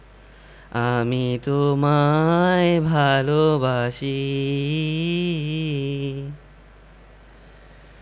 আমি তোমায় ভালোবাসি